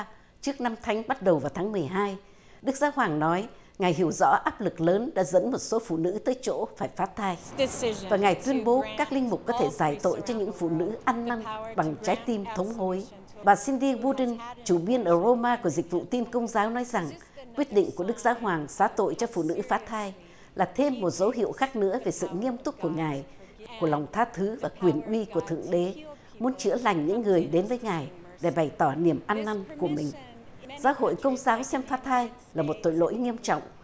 trước năm thánh bắt đầu vào tháng mười hai đức giáo hoàng nói ngài hiểu rõ áp lực lớn đã dẫn một số phụ nữ tới chỗ phải phá thai và ngài tuyên bố các linh mục có thể giải tội cho những phụ nữ ăn năng bằng trái tim thống hối bà sin đi vu đưn chủ biên ở rô ma của dịch vụ tin công giáo nói rằng quyết định của đức giáo hoàng xá tội cho phụ nữ phá thai là thêm một dấu hiệu khác nữa về sự nghiêm túc của ngài của lòng tha thứ và quyền uy của thượng đế muốn chữa lành những người đến với ngài để bày tỏ niềm ăn năn của mình vá hội công giáo xem phá thai là một tội lỗi nghiêm trọng